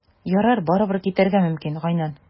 Ярар, барыбер, китәргә мөмкин, Гайнан.